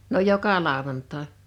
no joka lauantai